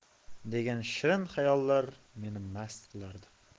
degan shirin xayollar meni mast qilardi